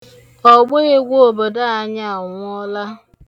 Ọgbeegwu obodo anyị anwụọla.